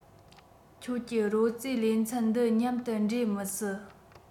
ཁྱོད གྱི རོལ རྩེད ལེ ཚན འདི མཉམ དུ འདྲེས མི སྲིད